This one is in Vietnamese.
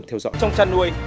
theo dõi